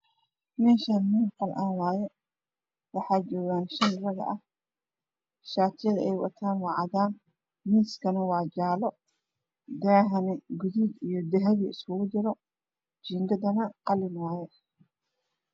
Meeshaan meel qol ah weeye waxaa joogo shan rag ah shatiyada ay wataan waa cadaan miiskana waa jaalo daahana guudud iyo dahabi iskugu jiro jiingadana waa qalin